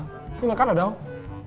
nhưng mà cắt ở đâu